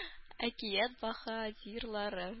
Әкият баһадирлары